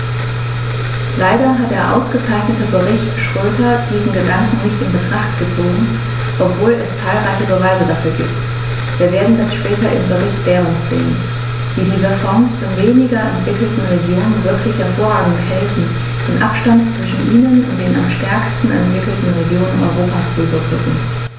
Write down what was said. Leider hat der ausgezeichnete Bericht Schroedter diesen Gedanken nicht in Betracht gezogen, obwohl es zahlreiche Beweise dafür gibt - wir werden das später im Bericht Berend sehen -, wie diese Fonds den weniger entwickelten Regionen wirklich hervorragend helfen, den Abstand zwischen ihnen und den am stärksten entwickelten Regionen Europas zu überbrücken.